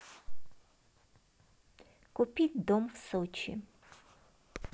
купить дом в сочи